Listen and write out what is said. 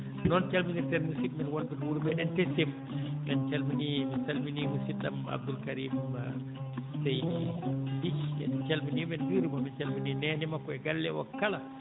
noon calminirten musidɓe men won ɓe to wuro meeɗen * en calminii mi salminii musidɗo am Abdoul Karim *en calminii ɓe en njuuriima ɓe min calminii nene makko e galle o kala